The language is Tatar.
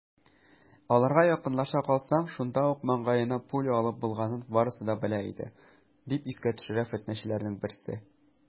Аларга якынлаша калсаң, шунда ук маңгаеңа пуля алып булганын барысы да белә иде, - дип искә төшерә фетнәчеләрнең берсе.